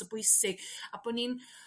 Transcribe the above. o bwysig a bo' ni'n